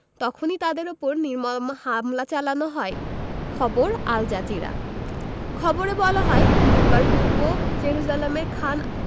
তখনি তাদের ওপর নির্মম হামলা চালানো হয় খবর আল জাজিরা খবরে বলা হয় বুধবার পূর্ব জেরুজালেমের খান